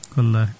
wallahi